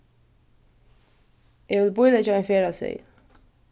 eg vil bíleggja ein ferðaseðil